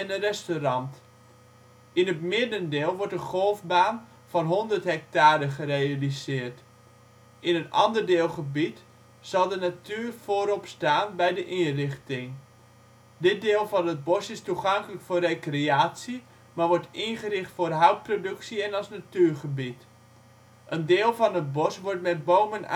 restaurant. In het middendeel wordt een golfbaan van 100 ha (1 km2) gerealiseerd. In een ander deelgebied zal de natuur voorop staan bij de inrichting. Dit deel van het bos is toegankelijk voor recreatie maar wordt ingericht voor houtproductie en als natuurgebied. Een deel van het bos wordt met bomen